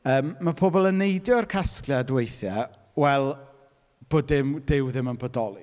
yym, ma' pobl yn neidio i'r casgliad weithiau, wel, bod dim... Duw ddim yn bodoli.